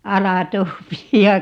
aladobia